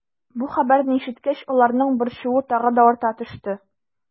Бу хәбәрне ишеткәч, аларның борчуы тагы да арта төште.